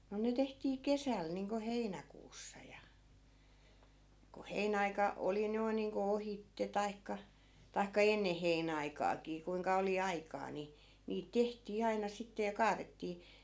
no ne tehtiin kesällä niin kuin heinäkuussa ja kun heinäaika oli noin niin kuin ohitse tai tai ennen heinäaikaakin kuinka oli aikaa niin niitä tehtiin aina sitten ja kaadettiin